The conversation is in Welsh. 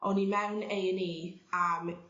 o'n i mewn Ay an' Ee am